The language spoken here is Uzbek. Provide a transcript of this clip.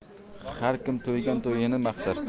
har kim to'ygan to'yini maqtar